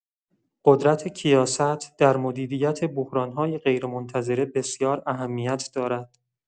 قدرت کیاست در مدیریت بحران‌های غیرمنتظره بسیار اهمیت دارد.